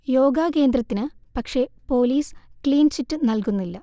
യോഗാ കേന്ദ്രത്തിന് പക്ഷേ police clean chit നല്കുന്നില്ല